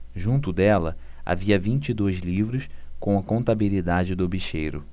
junto dela havia vinte e dois livros com a contabilidade do bicheiro